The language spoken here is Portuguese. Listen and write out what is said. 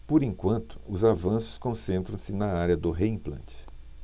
por enquanto os avanços concentram-se na área do reimplante